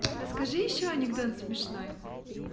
расскажи еще анекдот смешной